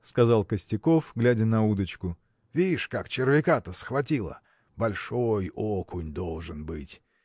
– сказал Костяков, глядя на удочку, – вишь, как червяка-то схватила большой окунь должен быть.